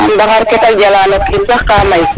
yaam ndaxar kete jala no kiin sax ka may